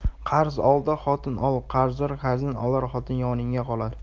qarz ol da xotin ol qarzdor qarzin olar xotin yoningga qolar